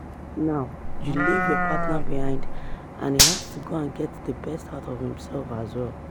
Now, you leave your partner behind and he has to go and get the best out of himself, as well."